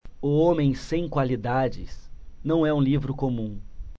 o homem sem qualidades não é um livro comum